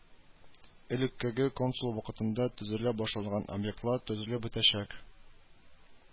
Элеккеге консул вакытында төзелә башланган объектлар төзелеп бетәчәк